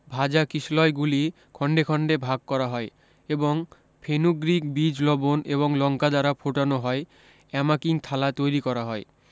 ভাজা কিশলয়গুলি খন্ডে খন্ডে ভাগ করা হয় এবং ফেনুগ্রীক বীজ লবন এবং লংকা দ্বারা ফোটানো হয় অ্যামাকিং থালা তৈরী করা হয়